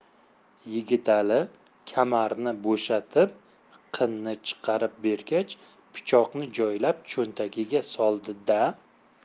yigitali kamarni bo'shatib qinni chiqarib bergach pichoqni joylab cho'ntagiga soldi da